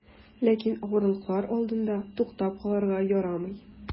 Ләкин авырлыклар алдында туктап калырга ярамый.